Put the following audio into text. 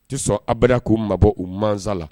Tɛ sɔn aw bɛra k ko mabɔ u ma la